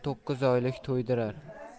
to'qqiz oylik to'ydirar